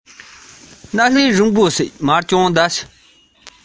འདི ན ང རང མག པ